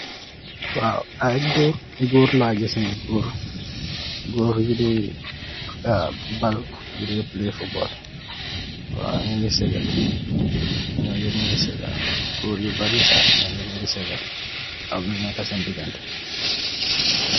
Waw aye goor goor la giss nee goor goor yude ball yude play football waw nuge segah nun nyep nuge segah goor yu bary sah num nyep nuge segah amlu neka sen deganteh.